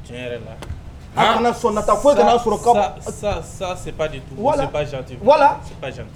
Tiɲɛ yɛrɛ la a mana sɔnnata ko'a sɔrɔ sa sejiti